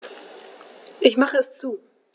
Ich mache es zu.